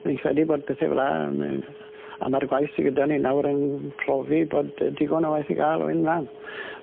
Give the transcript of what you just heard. o'n i 'ncredu bod pethe fel 'a yym yy a ma'r gwaith sy gyda ni nawr yn profi bod yy digon o waith i ga'l o 'yn mlan.